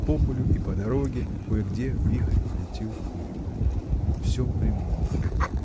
по полю и по дороге кое-где вихрь крутил пыль. Всё примолкло.